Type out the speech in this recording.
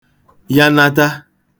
ghanata